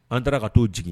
An taara ka t'o jigin